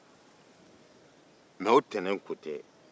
mɛ o tɛnɛn ko tɛ